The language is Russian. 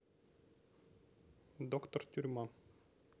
доктор тюрьма